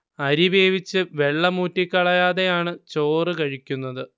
അരി വേവിച്ച് വെള്ളം ഊറ്റിക്കളയാതെയാണ് ചോറ് കഴിക്കുന്നത്